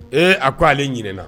Ee a ko ale ɲinna